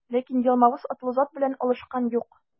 Ләкин Ялмавыз атлы зат белән алышкан юк.